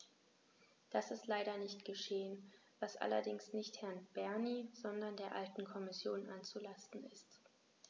Das ist leider nicht geschehen, was allerdings nicht Herrn Bernie, sondern der alten Kommission anzulasten ist.